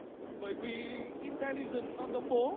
bởi vì in te li giừn nó giống bố